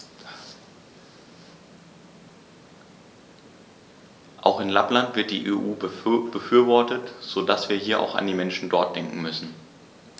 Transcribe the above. Auch in Lappland wird die EU befürwortet, so dass wir hier auch an die Menschen dort denken müssen.